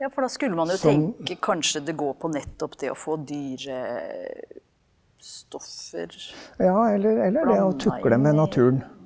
ja for da skulle man jo tenke kanskje det går på nettopp det å få dyrestoffer blanda inn i.